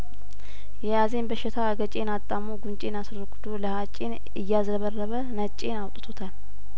የያዘኝ በሽታ አገጬ አጣሞ ጉንጬ አሰርጉዶ ለሀጬን እያዝረበረበ ነጬን አውጥቶታል